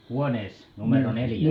huoneessa numero neljä